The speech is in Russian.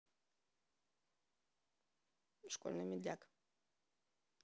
школьный медляк